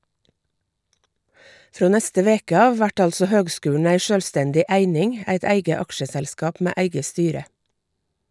Frå neste veke av vert altså høgskulen ei sjølvstendig eining, eit eige aksjeselskap med eige styre.